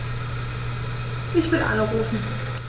Ich will anrufen.